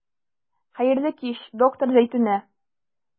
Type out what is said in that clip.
Хәерле кич, доктор Зәйтүнә.